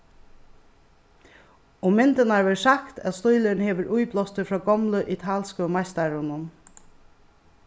um myndirnar verður sagt at stílurin hevur íblástur frá gomlu italsku meistarunum